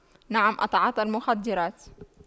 نعم أتعاطى المخدرات